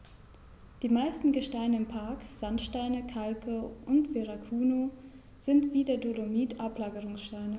Die meisten Gesteine im Park – Sandsteine, Kalke und Verrucano – sind wie der Dolomit Ablagerungsgesteine.